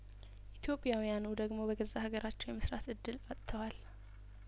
ኢትዮጵያውያኑ ደግሞ በገዛ ሀገራቸው የመስራት እድል አጥተዋል